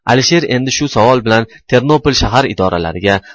alisher endi shu savol bilan ternopol shahar idoralariga